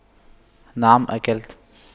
نعم أكلت